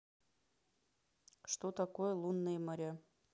что такое лунные моря